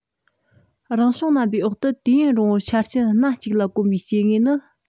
རང བྱུང རྣམ པའི འོག ཏུ དུས ཡུན རིང པོར ཆ རྐྱེན སྣ གཅིག ལ གོམས པའི སྐྱེ དངོས ནི